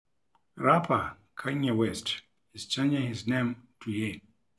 Rapper Kanye West is changing his name - to Ye.